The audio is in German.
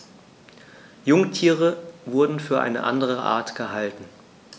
Jungtiere wurden für eine andere Art gehalten.